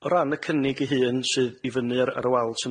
O ran y cynnig ei hun sydd i fyny ar ar y wal tu